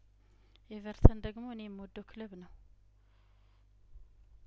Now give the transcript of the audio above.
ኤቨርተን ደግሞ እኔ የምወደው ክለብ ነው